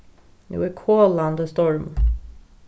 nú er kolandi stormur